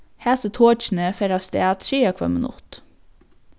hasi tokini fara avstað triðja hvønn minutt